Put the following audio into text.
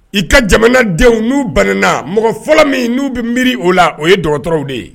I ka jamanadenw n'u banna mɔgɔ fɔlɔ min n'u bɛ miiriri o la o ye dɔgɔtɔrɔw de ye